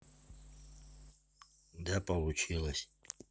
да получилось